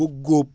ba góob